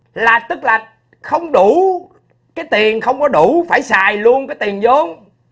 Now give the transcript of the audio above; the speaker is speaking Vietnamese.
là tức là không đủ cái tiền không có đủ phải xài luôn cái tiền vốn